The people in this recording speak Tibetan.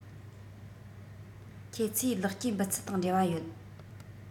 ཁྱེད ཚོའི ལེགས སྐྱེས འབུལ ཚད དང འབྲེལ བ ཡོད